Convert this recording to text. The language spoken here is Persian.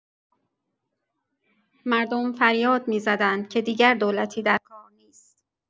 مردم فریاد می‌زدند که دیگر دولتی در کار نیست.